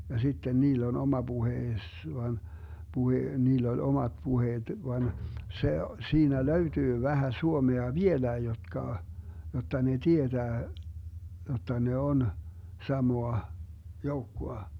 ja sitten niillä on oma puheensa vaan puhe niillä oli omat puheet vaan se siinä löytyy vähän suomea vieläkin jotka jotta ne tietää jotta ne on samaa joukkoa